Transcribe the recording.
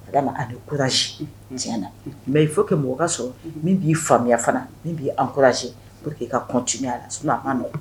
a du courage tiɲɛna mais il faut que mɔgɔ ka sɔrɔ min b'i faamuya fana, min b'i encourager pour que i ka continuer a la sinon a ma. nɔgɔ.